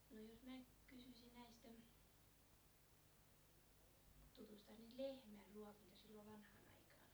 no jos näitä kysyisin näistä lehmän ruokinta silloin vanhaan aikaan